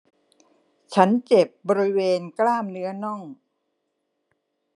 ฉันเจ็บบริเวณกล้ามเนื้อน่อง